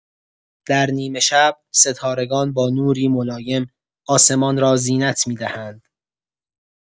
در نیمه‌شب، ستارگان با نوری ملایم آسمان را زینت می‌دهند.